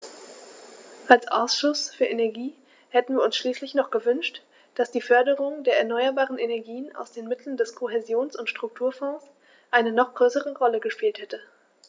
Als Ausschuss für Energie hätten wir uns schließlich noch gewünscht, dass die Förderung der erneuerbaren Energien aus den Mitteln des Kohäsions- und Strukturfonds eine noch größere Rolle gespielt hätte.